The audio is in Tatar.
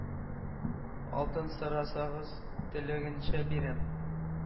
Алтын сорасагыз, теләгәнчә бирәм,